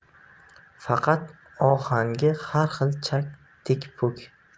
faqat ohangi har xil chak tikpuk